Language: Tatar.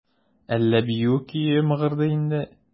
Әллә бию көе мыгырдый инде?